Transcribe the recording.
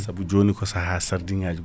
saabu joni ko saha sardiŋŋaji